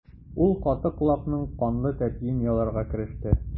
Ул каты колакның канлы тәпиен яларга кереште.